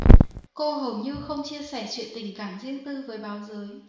cô hầu như không chia sẻ chuyện tình cảm riêng tư với báo giới